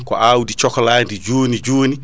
ko awdi cohladi joni joni